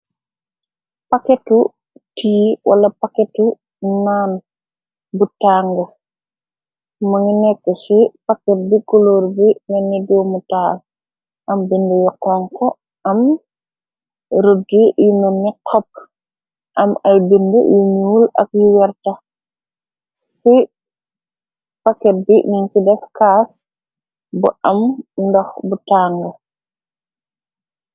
Paketu tii wala paketu naan bu tangu më ngi nekk ci paket bi kulor bi nenni doomu taal am bind yu xonk am ruggi yuna nek xopp am ay bind yu ñuul ak yu wertax ci paket bi nin ci dek kaas bu am ndox bu tanga.